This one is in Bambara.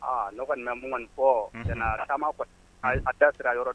Aa n' kɔni munkan nin fɔ taama a da sira yɔrɔ